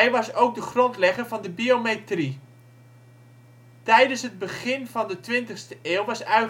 was ook de grondlegger van de biometrie. Tijdens het begin van de 20e eeuw was eugenetica